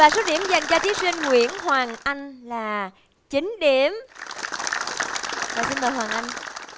và số điểm dành cho thí sinh nguyễn hoàng anh là chín điểm và xin mời hoàng anh